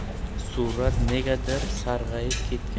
surat negadir sarg'ayib ketgan